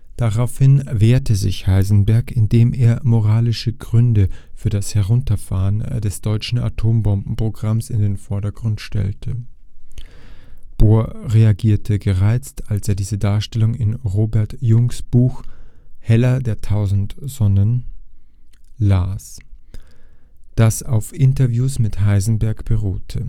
Daraufhin wehrte sich Heisenberg, indem er moralische Gründe für das Herunterfahren des deutschen Atombomben-Programms in den Vordergrund stellte. Bohr reagierte gereizt, als er diese Darstellung in Robert Jungks Buch Heller als tausend Sonnen las, das auf Interviews mit Heisenberg beruhte